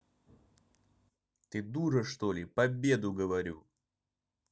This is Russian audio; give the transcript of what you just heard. ты дура что ли победу говорю